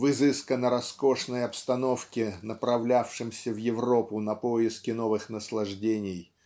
в изысканно-роскошной обстановке направлявшимся в Европу на поиски новых наслаждений